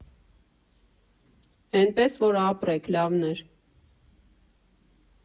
Էնպես որ ապրեք, լավն էր։